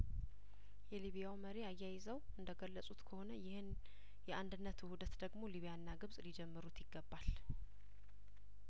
የሊቢያው መሪ አያይዘው እንደገለጹት ከሆነ ይህን የአንድነት ውህደት ደግሞ ሊቢያና ግብጽ ሊጀምሩት ይገባል